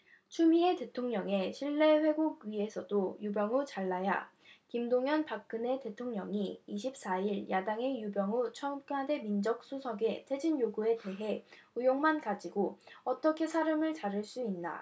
추미애 대통령에 신뢰 회복위해서도 우병우 잘라야김동현 박근혜 대통령이 이십 사 일 야당의 우병우 청와대 민정수석의 퇴진요구에 대해 의혹만 가지고 어떻게 사람을 자를 수가 있나